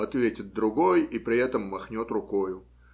- ответит другой и при этом махнет рукою.